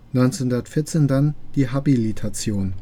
1914 dann die Habilitation